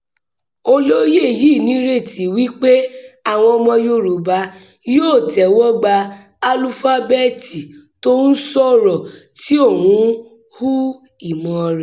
Olóyè yìí nírètí wí pé àwọn ọmọ Yorùbá yóò tẹ́wọ́ gba 'alífábẹ́ẹ̀tì t'ó ń sọ̀rọ̀ ' tí òun hu ìmọ̀ rẹ̀